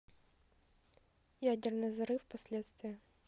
ядерный взрыв последствия